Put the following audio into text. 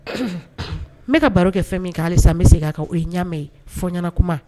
N bɛka baro kɛ fɛn min kɛ halisa n bɛ segin a ka o ye n ɲ 'a mɛn ye ,fɔ ɲɛnakuma.